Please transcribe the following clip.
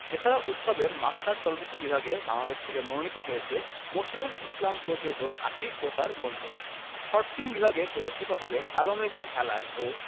এছাড়াও উৎসবের মাস্টার চলচ্চিত্র বিভাগে বাংলাদেশ থেকে মনোনীত হয়েছে মোরশেদুল ইসলাম পরিচালিত আঁখি ও তার বন্ধুরা শর্ট ফিল্ম বিভাগে প্রদর্শিত হবে কালো মেঘের ভেলায় ও